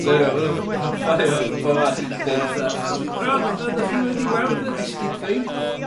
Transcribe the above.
So eniwe ma' n'w fatha ffonio bob man deud fatha O ddy- o dy o 'dych chi wedi gweld fy esgid fi?